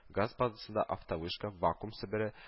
ГАЗ базасында автовышка, вакуум-себере